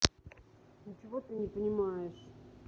ничего ты не понимаешь